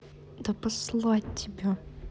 да послать тебя